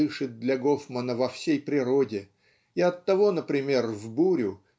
дышит для Гофмана во всей природе и оттого например в бурю